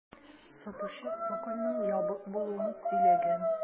Сатучы цокольның ябык булуын сөйләгән.